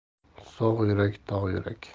sog' yurak tog' yurak